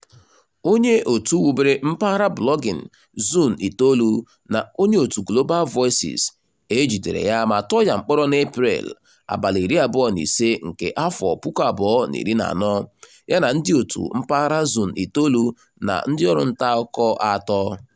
Onyeòtù wubere mpaghara blogging Zone9 na onyeòtù Global Voices, e jidere ya ma tụọ ya mkpọrọ n'Eprel 25, 2014 yana ndị òtù mpaghara Zone9 na ndịọrụ ntaakụkọ atọ.